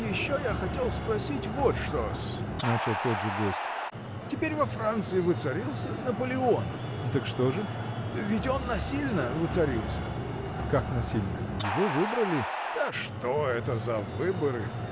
— Еще я хотел спросить вот что-с, — начал тот же гость, — теперь во Франции воцарился Наполеон. — Так что же? — Ведь он насильно воцарился. — Как насильно: его выбрали. — Да что это за выборы!